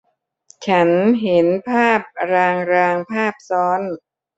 ฉันเห็นภาพรางรางภาพซ้อน